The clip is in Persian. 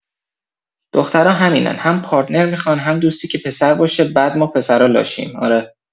دخترا همینن هم پارتنر میخان هم دوستی که پسر باشه بعد ما پسرا لاشیم اره